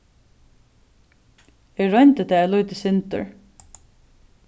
eg royndi tað eitt lítið sindur